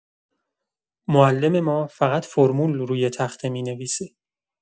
معلم ما فقط فرمول روی تخته می‌نویسه.